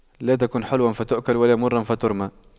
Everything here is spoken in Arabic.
لا تكن حلواً فتؤكل ولا مراً فترمى